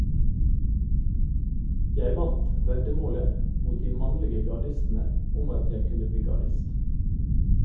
Jeg vant veddemålet mot de mannlige gardistene om at jeg kunne bli gardist.